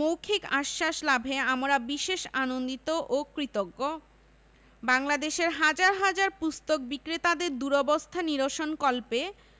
মৌখিক আশ্বাস লাভে আমরা বিশেষ আনন্দিত ও কৃতজ্ঞ বাংলাদেশের হাজার হাজার পুস্তক বিক্রেতাদের দুরবস্থা নিরসনকল্পে